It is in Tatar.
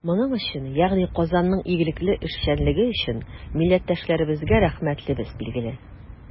Моның өчен, ягъни Казанның игелекле эшчәнлеге өчен, милләттәшләребезгә рәхмәтлебез, билгеле.